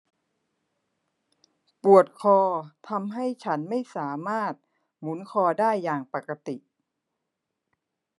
ปวดคอทำให้ฉันไม่สามารถหมุนคอได้อย่างปกติ